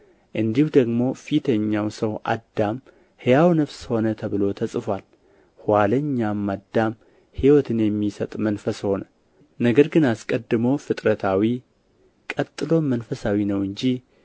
እንዲሁ ደግሞ ፊተኛው ሰው አዳም ሕያው ነፍስ ሆነ ተብሎ ተጽፎአል ኋለኛው አዳም ሕይወትን የሚሰጥ መንፈስ ሆነ ነገር ግን አስቀድሞ ፍጥረታዊው ቀጥሎም መንፈሳዊው ነው እንጂ